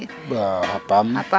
xa paam